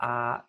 a